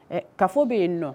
Ɛ kafo bɛ yen n nɔ